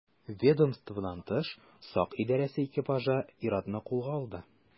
Ведомстводан тыш сак идарәсе экипажы ир-атны кулга ала.